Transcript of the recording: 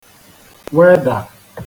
wedà